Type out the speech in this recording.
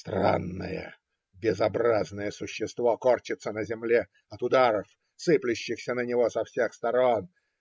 странное, безобразное существо корчится на земле от ударов, сыплющихся на него со всех сторон.